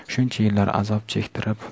shuncha yillar azob chektitib